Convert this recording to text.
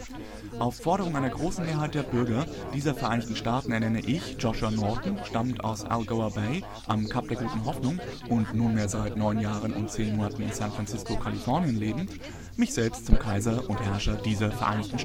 Forderung einer großen Mehrheit der Bürger dieser Vereinigten Staaten ernenne ich, Joshua Norton, stammend aus Algoa Bay am Kap der Guten Hoffnung und nunmehr seit neun Jahren und zehn Monaten in San Franciso (Kalifornien) lebend, mich selbst zum Kaiser und Herrscher dieser Vereinigten